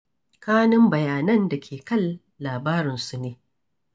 Kanun bayanan da ke kan labarin su ne